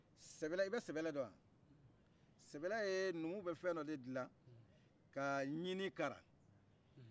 sɛgɛlɛ i be sɛgɛlɛ dɔn wa sɛgɛlɛ ye numuw bɛ fɛndɔ dilan ka ɲin nin kala